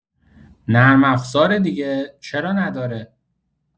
نرم افزاره دیگه، چرا نداره!